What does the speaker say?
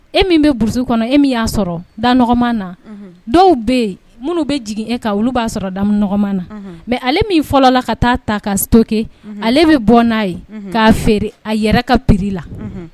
E min bɛ b kɔnɔ e min y'a sɔrɔ da na dɔw bɛ yen minnu bɛ jigin e ka olu b'a sɔrɔ da na mɛ ale min fɔlɔla ka taa ta ka so kɛ ale bɛ bɔ n'a ye k'a feere a yɛrɛ ka pereiri la